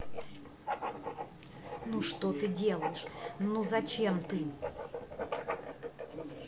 ну что ты делаешь ну зачем ты